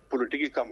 Ptigi kama